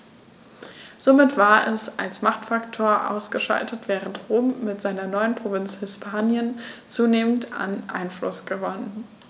Damit war es als Machtfaktor ausgeschaltet, während Rom mit seiner neuen Provinz Hispanien zunehmend an Einfluss gewann.